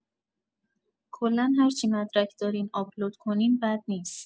کلا هرچی مدرک دارین آپلود کنین بد نیست.